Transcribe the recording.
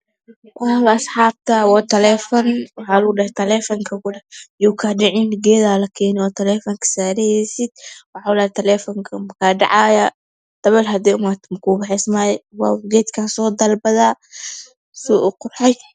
Waa taleefan waxaa lagu dhahay taleefanka yuu kaa dhicin geedaa la keenay oo taleefanka saarahaysid waxaa la dhahay lateefanka makaa dhacaayo gabar haday imaato makugu haysanayso geedkaan soo dalbada soo u qurxan yahay.